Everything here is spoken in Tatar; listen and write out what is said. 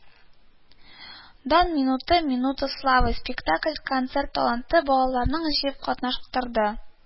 “дан минуты” (“минута славы”) спектакль-концерт талантлы балаларны җыеп катнаштырды